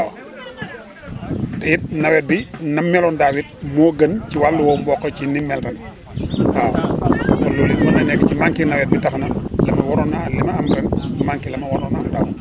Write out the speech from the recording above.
waaw te it nawet bi nam meloon daaw it moo gën ci wàllu mboq ci nim mel ren waaw te loolu it mun na nekk ci manqué nawet bi tax na li ma waroon a li ma am ren manqué la ma waroon a daaw